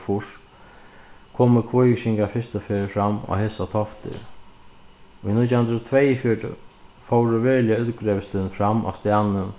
fýrs komu kvívíkingar fyrstu ferð fram á hesar toftir í nítjan hundrað og tveyogfjøruti fóru veruliga grevsturin fram á staðnum